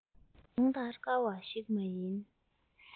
དུང ལྟར དཀར བ ཞིག མ ཡིན